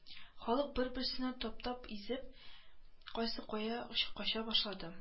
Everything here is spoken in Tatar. Халык бер-берсенә таптап-изеп кайсы кая ач кача башлады